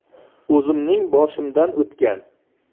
o'zimning boshimdan o'tgan